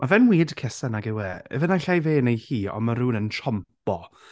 Mae fe'n weird kisser nag yw e? Ife naill ai fe neu hi ond mae rywun yn tsiompo.